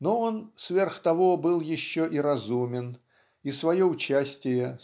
но он сверх того был еще и разумен и свое участие